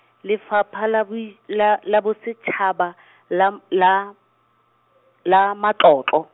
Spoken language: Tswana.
Lefapha la boi, la la Bosetshaba , la m- la , la Matlotlo.